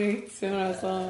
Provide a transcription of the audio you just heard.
Yy pirate.